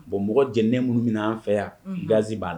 Bon mɔgɔ jɛnen minnu minɛn an fɛ yan ganz b'a la